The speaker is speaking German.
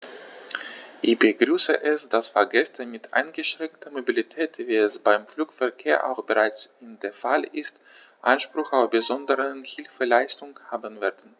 Ich begrüße es, dass Fahrgäste mit eingeschränkter Mobilität, wie es beim Flugverkehr auch bereits der Fall ist, Anspruch auf besondere Hilfeleistung haben werden.